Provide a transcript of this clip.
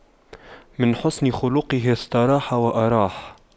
من حسن خُلُقُه استراح وأراح